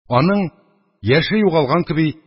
Аның, яше югалган кеби,